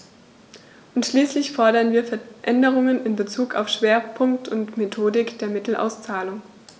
Und schließlich fordern wir Veränderungen in bezug auf Schwerpunkt und Methodik der Mittelauszahlung.